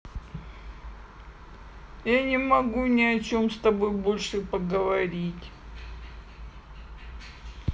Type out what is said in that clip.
я не могу ни о чем с тобой больше поговорить